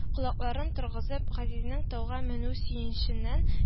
Колакларын торгызып, газизенең тауга менү сөенеченнән